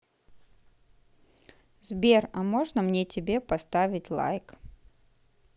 сбер а можно мне тебе поставить лайк